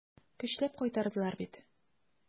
Көчләп кайтардылар бит.